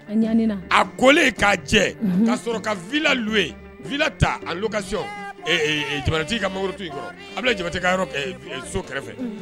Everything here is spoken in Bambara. A kolen k'a jɛ ka sɔrɔ ka vlu v takati ka a bɛ jamati yɔrɔ so kɛrɛfɛ